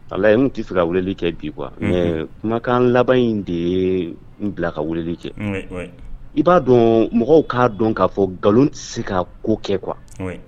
Walayi n tun tɛ fɛ ka wulili kɛ bi quoi mais kumakan laban in de ye n bila ka weleli kɛ, i b'a dɔn mɔgɔw k'a dɔn k'a fɔ nkalon tɛ se ka ko kɛ quoi